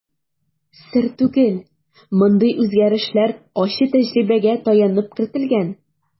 Сер түгел, мондый үзгәрешләр ачы тәҗрибәгә таянып кертелгән.